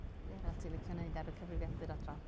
Be arall ti'n licio'n wneud ar y cyfrifiadur adra?